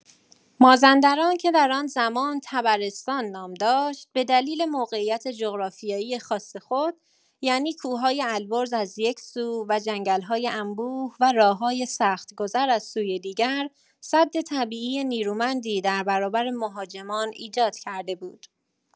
مازندران که در آن‌زمان «طبرستان» نام داشت، به دلیل موقعیت جغرافیایی خاص خود، یعنی کوه‌های البرز از یک‌سو و جنگل‌های انبوه و راه‌های سخت‌گذر از سوی دیگر، سد طبیعی نیرومندی در برابر مهاجمان ایجاد کرده بود.